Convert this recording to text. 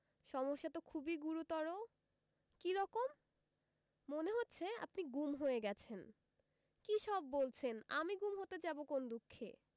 সমস্যা তো খুবই গুরুতর কী রকম মনে হচ্ছে আপনি গুম হয়ে গেছেন কী সব বলছেন আমি গুম হতে যাব কোন দুঃখে